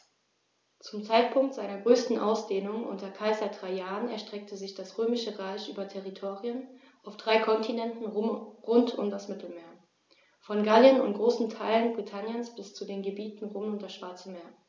Zum Zeitpunkt seiner größten Ausdehnung unter Kaiser Trajan erstreckte sich das Römische Reich über Territorien auf drei Kontinenten rund um das Mittelmeer: Von Gallien und großen Teilen Britanniens bis zu den Gebieten rund um das Schwarze Meer.